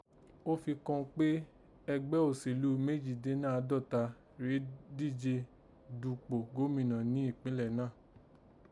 Ó fi kọn kpé ẹgbẹ́ òsèlú méjìdẹ́nnàádọ́ta rèé díje dupò Gómìnà ni ìpínlè náà